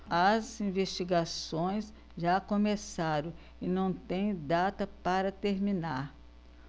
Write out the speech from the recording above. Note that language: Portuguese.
as investigações já começaram e não têm data para terminar